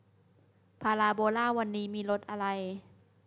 พาราโบลาวันนี้มีรสอะไร